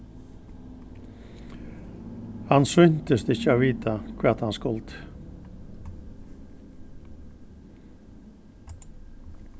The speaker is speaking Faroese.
hann sýntist ikki at vita hvat hann skuldi